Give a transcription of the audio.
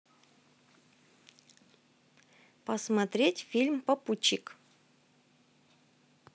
посмотреть фильм попутчик